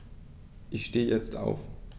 Ich stehe jetzt auf.